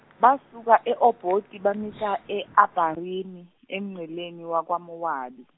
basuka e Oboti bamisa e Abarimi, emngceleni wakaMowabi.